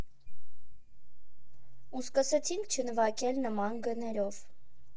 Ու սկսեցինք չնվագել նման գներով»։